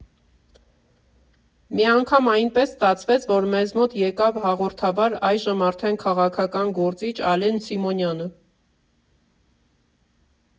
Մի անգամ այնպես ստացվեց, որ մեզ մոտ եկավ հաղորդավար, այժմ արդեն քաղաքական գործիչ Ալեն Սիմոնյանը։